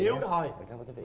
xíu thôi